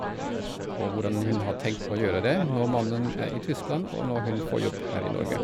Og hvordan hun har tenkt å gjøre det når mannen er i Tyskland, og når hun får jobb her i Norge.